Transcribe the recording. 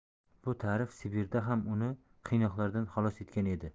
bu ta'rif sibirda ham uni qiynoqlardan xalos etgan edi